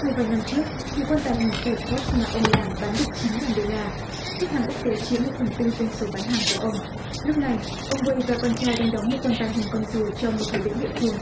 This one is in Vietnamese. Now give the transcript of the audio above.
một vài năm trước một quan tài hình xe pót mà ông làm bán được chín ngàn đô la khách hàng quốc tế chiếm một phần tư doanh số bán hàng của ông lúc này ông guây và con trai đang đóng một quan tài hình con rùa cho một thủ lĩnh địa phương